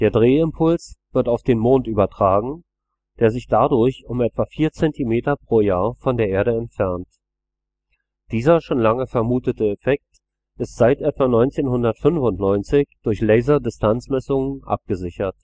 Drehimpuls wird auf den Mond übertragen, der sich dadurch um etwa vier Zentimeter pro Jahr von der Erde entfernt. Dieser schon lange vermutete Effekt ist seit etwa 1995 durch Laserdistanzmessungen abgesichert